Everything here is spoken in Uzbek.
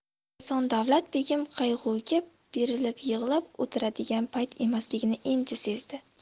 eson davlat begim qayg'uga berilib yig'lab o'tiradigan payt emasligini endi sezdi